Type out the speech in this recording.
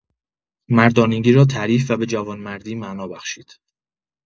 مردانگی را تعریف و به جوانمردی معنا بخشید.